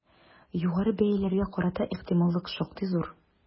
Югары бәяләргә карата ихтималлык шактый зур.